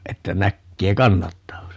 että näkee kannattaako se